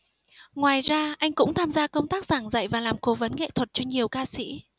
ngoài ra anh cũng tham gia công tác giảng dạy và làm cố vấn nghệ thuật cho nhiều ca sĩ